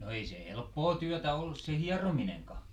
no ei se helppoa työtä ollut se hierominenkaan